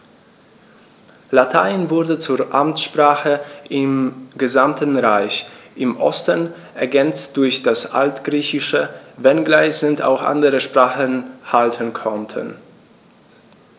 Latein wurde zur Amtssprache im gesamten Reich (im Osten ergänzt durch das Altgriechische), wenngleich sich auch andere Sprachen halten konnten.